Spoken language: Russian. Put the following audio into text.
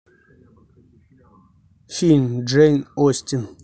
фильм джейн остин